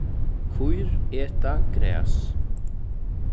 kýr eta gras